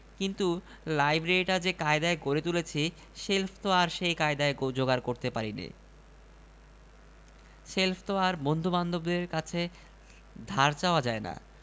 কিন্তু লাইব্রেরিটা যে কায়দায় গড়ে তুলেছি শেলফ তো আর সে কায়দায় যোগাড় করতে পারি নে শেলফ তো আর বন্ধুবান্ধবের কাছ থেকে ধার চাওয়া যায় না